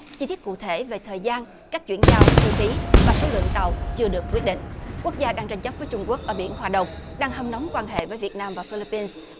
chi tiết cụ thể về thời gian các chuyển giao chi phí và số lượng tàu chưa được quyết định quốc gia đang tranh chấp với trung quốc ở biển hoa đông đang hâm nóng quan hệ với việt nam và phi líp bin